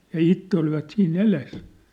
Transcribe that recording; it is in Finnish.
ja itse olivat siinä edessä